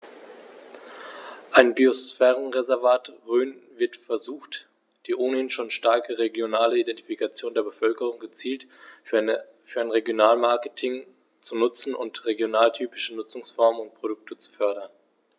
Im Biosphärenreservat Rhön wird versucht, die ohnehin schon starke regionale Identifikation der Bevölkerung gezielt für ein Regionalmarketing zu nutzen und regionaltypische Nutzungsformen und Produkte zu fördern.